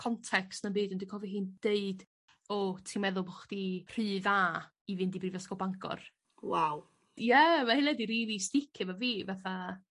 context na'm byd ond dwi cofio hi'n deud o ti'n meddwl bo' chdi rhy dda i fynd i Brifysgol Bangor. Waw. Ia ma' hynna 'di rili sticio 'fo fi fatha